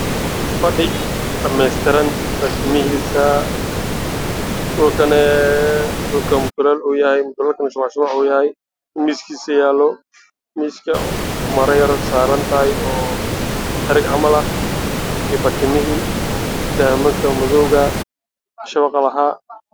meeshaan waa qol waxaa yaala fadhi dhamaystiran wuxuuna leeyahay mutuleel madow iyo cadaan ah